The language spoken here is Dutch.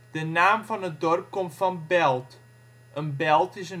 De naam van het dorp komt van belt. Een belt is